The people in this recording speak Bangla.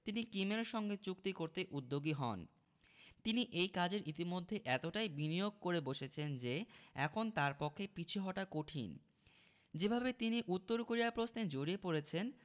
তিনি কিমের সঙ্গে চুক্তি করতে উদ্যোগী হন তিনি এই কাজে ইতিমধ্যে এতটাই বিনিয়োগ করে বসেছেন যে এখন তাঁর পক্ষে পিছু হটা কঠিন যেভাবে তিনি উত্তর কোরিয়া প্রশ্নে জড়িয়ে পড়েছেন